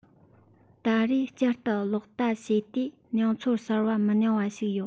ད རེས བསྐྱར དུ ཀློག ལྟ བྱེད དུས མྱོང ཚོར གསར པ མི ཉུང བ ཞིག ཡོད